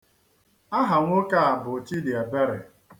Aha nwoke a bụ Chidịebere.